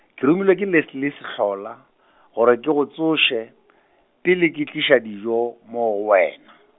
ke romilwe ke Leslie Sehlola, gore ke go tsoše, pele ke tliša dijo, moo go wena.